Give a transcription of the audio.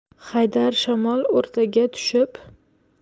haydar shamol o'rtaga tushib